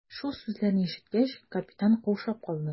Шул сүзләрне ишеткәч, капитан каушап калды.